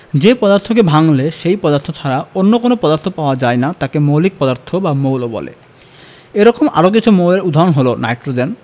যে পদার্থকে ভাঙলে সেই পদার্থ ছাড়া অন্য কোনো পদার্থ পাওয়া যায় না তাকে মৌলিক পদার্থ বা মৌল বলে এরকম আরও কিছু মৌলের উদাহরণ হলো নাইট্রোজেন